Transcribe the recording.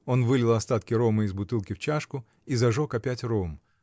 Он вылил остатки рома из бутылки в чашку и зажег опять ром.